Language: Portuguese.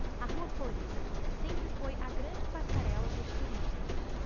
a rua florida sempre foi a grande passarela dos turistas